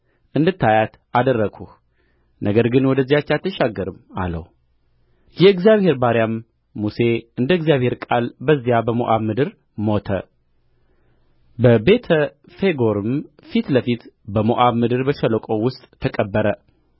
እንድታያት አደረግሁህ ነገር ግን ወደዚያች አትሻገርም አለው የእግዚአብሔር ባሪያም ሙሴ እንደ እግዚአብሔር ቃል በዚያ በሞዓብ ምድር ሞተ በቤተ ፌጎርም ፊት ለፊት በሞዓብ ምድር በሸለቆው ውስጥ ተቀበረ